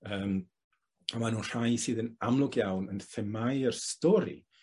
yym a ma' nw rhai sydd yn amlwg iawn yn themâu'r stori